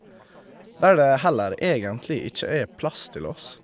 Der det heller egentlig ikke er plass til oss.